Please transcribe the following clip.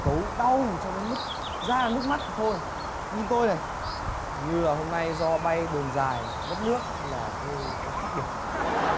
cấu đau cho đến mức ra nước mắt thì thôi nhìn tôi này hình như hôm nay do bay đường dài mất nước nên là tôi không khóc được cái